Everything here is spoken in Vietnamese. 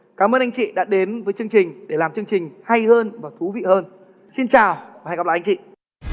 cám ơn anh chị đã đến với chương trình để làm chương trình hay hơn và thú vị hơn xin chào và hẹn gặp lại anh chị